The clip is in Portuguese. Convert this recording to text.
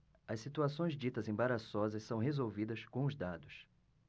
as situações ditas embaraçosas são resolvidas com os dados